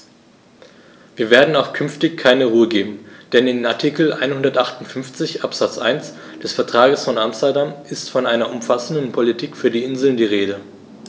Wir werden auch künftig keine Ruhe geben, denn in Artikel 158 Absatz 1 des Vertrages von Amsterdam ist von einer umfassenden Politik für die Inseln die Rede.